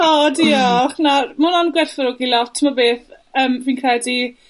O diolch, hwnna... Ma' wnna'n gwerfawrogi lot t'mod beth yym fi'n credu